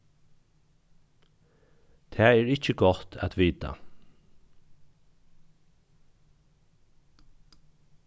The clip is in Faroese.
tað er ikki gott at vita